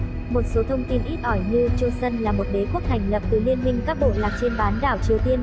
một số thông tin ít ỏi như choson là một đế quốc thành lập từ liên minh các bộ lạc trên bán đảo triều tiên